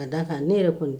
A daa kan ne yɛrɛ kɔni